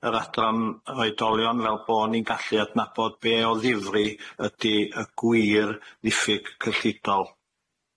Yr adran oedolion fel bo' ni'n gallu adnabod be' o ddifri ydi y gwir ddiffyg cyllidol.